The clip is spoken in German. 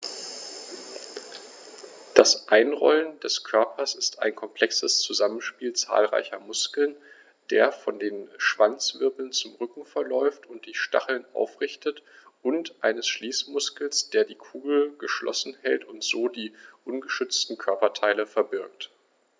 Das Einrollen des Körpers ist ein komplexes Zusammenspiel zahlreicher Muskeln, der von den Schwanzwirbeln zum Rücken verläuft und die Stacheln aufrichtet, und eines Schließmuskels, der die Kugel geschlossen hält und so die ungeschützten Körperteile verbirgt.